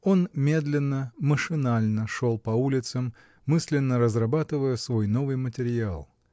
Он медленно, машинально шел по улицам, мысленно разрабатывая свой новый материал.